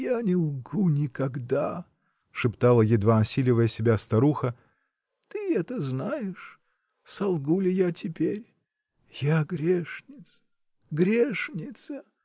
— Я не лгу никогда, — шептала, едва осиливая себя, старуха, — ты это знаешь. Солгу ли я теперь? Я грешница. грешница.